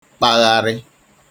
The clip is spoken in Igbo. kpagharị